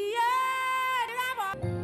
Iyeeeee i la mɔ